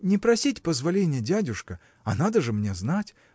– Не просить позволения, дядюшка, а надо же мне знать.